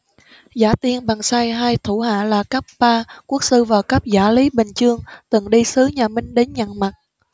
dã tiên bèn sai hai thủ hạ là cáp ba quốc sư và cáp giả lý bình chương từng đi sứ nhà minh đến nhận mặt